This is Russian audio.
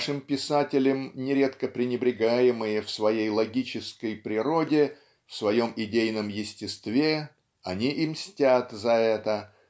нашим писателем нередко пренебрегаемые в своей логической природе в своем идейном естестве они и мстят за это